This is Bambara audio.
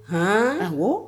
H